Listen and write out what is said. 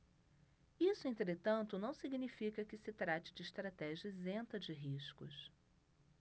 isso entretanto não significa que se trate de estratégia isenta de riscos